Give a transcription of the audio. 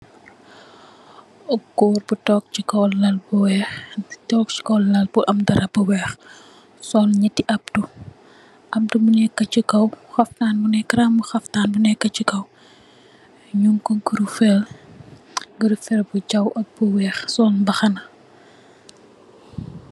Ab goor bu tog si kaw laal bu weex tog si kaw laal bu am dara bu weex sol neeti abdou abdou bu neka si kaw xaftan garambubu xaftan bu neka si kaw nyun ko guru fem guru fem bu saw ak weex sol mbahana.